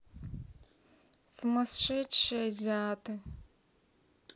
сумасшедшие азиаты